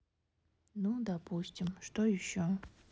ну допустим что еще